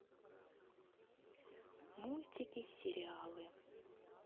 мультики сериалы